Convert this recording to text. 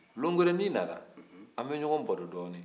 don wɛrɛ n'i nana an bɛ ɲɔgɔn baro dɔɔnin